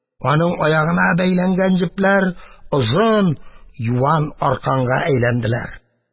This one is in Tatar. Аның аягына бәйләнгән җепләр озын, юан арканга әйләнделәр.